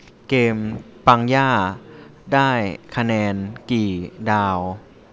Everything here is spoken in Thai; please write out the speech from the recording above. เกมปังย่าได้คะแนนกี่ดาว